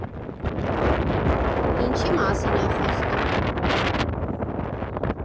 Ինչի՞ մասին է խոսքը…